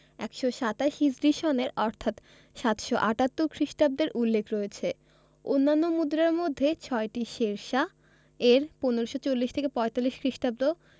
১২৭ হিজরি সনের অর্থাৎ ৭৮৮ খ্রিটাব্দের উল্লেখ রয়েছে অন্যান্য মুদ্রার মধ্যে ছয়টি শেরশাহ এর ১৫৪০ ৪৫ খ্রিটাব্দ